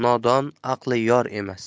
nodon aqli yor emas